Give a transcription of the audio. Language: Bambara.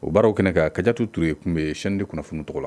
O b'araw kɛnɛ kadituw tunur ye tun bɛ ye sinandi kɔnɔ kunnafoniunu tɔgɔ la